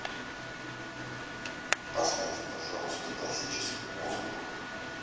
поставь пожалуйста классическую музыку